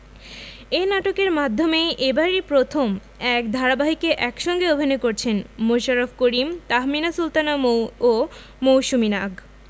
এ নাটকের মাধ্যমেই এবারই প্রথম এক ধারাবাহিকে একসঙ্গে অভিনয় করছেন মোশাররফ করিম তাহমিনা সুলতানা মৌ ও মৌসুমী নাগ